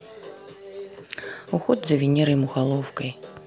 уход за венерой мухоловкой